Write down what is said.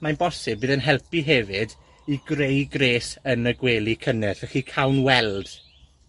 mae'n bosib bydd yn helpu hefyd i greu gres yn y gwely cynnes. Felly, cawn weld.